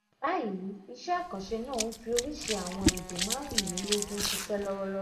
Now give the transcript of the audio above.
Báyìí, iṣẹ́ àkànṣe náà ń fi oríṣi àwọn èdè 25 ṣiṣẹ́ lọ́wọ́lọ́wọ́.